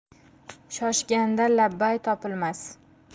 shoshganda labbay topilmas